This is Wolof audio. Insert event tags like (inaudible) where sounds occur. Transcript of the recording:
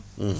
(hesitation) (hesitation)